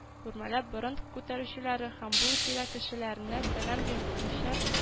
Үрмәләп борын күтәрүчеләре һәм бу тирә кешеләренә сәлам бирмичә